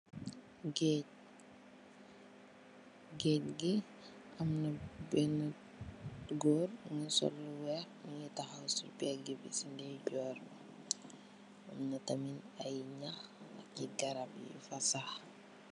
Gaaj, gaaj gi am na benna gór mugii u sol lu wèèx mugii taxaw ci pegga bi ci ndayjoor bi am tam ay garap ak ki ñax yu fa sax.